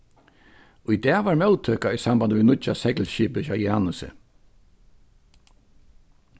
í dag var móttøka í sambandi við nýggja seglskipið hjá janusi